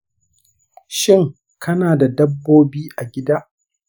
shin kana da dabbobi a gida?